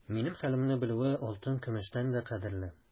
Минем хәлемне белүе алтын-көмештән дә кадерле.